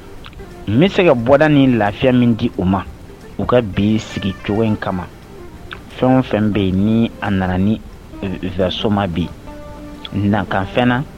N bɛ se ka bɔda ni lafiya min di u ma u ka bin sigi cogo in kama, fɛn o fɛn bɛ yen ni a nana verseau ma bi nan ka fɛn na